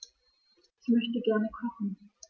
Ich möchte gerne kochen.